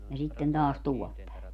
ja sitten taas tuolla päin